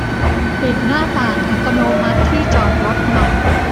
ปิดหน้าต่างอัตโนมัติที่จอดรถหน่อย